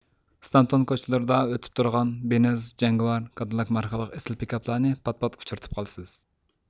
ستانتون كوچىلىرىدا ئۆتۈپ تۇرغان بېنېز جەگۋار كادىلاك ماركىلىق ئېسىل پىكاپلارنى پات پات ئۇچرىتىپ قالىسىز